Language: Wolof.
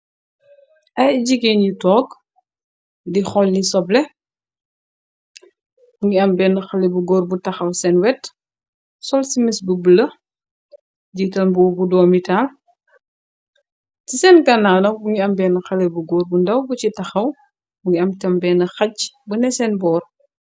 Ay jigeen yu toog di xolli soble mungi ambeenn xale bu góor bu taxaw seen wet. Sol simis bu ble jiital bo bu doo mitaal ci seen kanana. Mungi ambenn xale bu góor bu ndaw bu ci taxaw. Mungi am tambeen xaj bu ne seen boor.